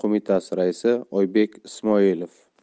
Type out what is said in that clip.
qo'mitasi raisi oybek ismoilov